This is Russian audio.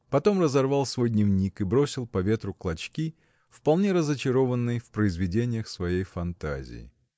Потом разорвал свой дневник и бросил по ветру клочки, вполне разочарованный в произведениях своей фантазии.